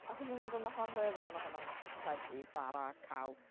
Achos, o'n ni'n meddwl ma' rhan fwyaf ohono hwnna'n veggy bara caws.